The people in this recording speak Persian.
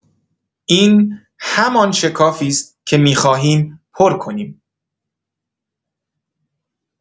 این همان شکافی است که می‌خواهیم پر کنیم.